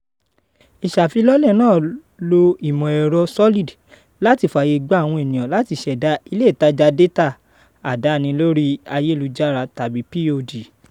Ìṣàfilọ́̀lẹ̀ náà ń lo ìmọ̀ ẹ̀rọ Solid láti fààyègba àwọn ènìyàn láti ṣẹ̀dá “ilé ìtàjà dátà adáni lórí ayélujára” tàbí POD.